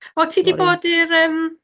O, ti 'di... sori ...bod i'r yym...